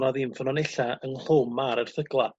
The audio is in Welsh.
bo' 'na ddim ffyrnonella yng nghlwm ar erthygla'